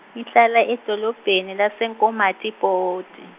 ngihlala edolobheni lase Komatipoort i-.